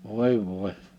oi voi